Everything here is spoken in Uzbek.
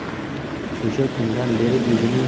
o'sha kundan beri o'zining ko'nglida